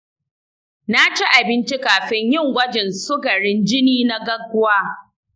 na ci abinci kafin yin gwajin sukarin jini na gaggwa.